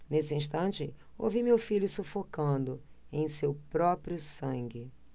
nesse instante ouvi meu filho sufocando em seu próprio sangue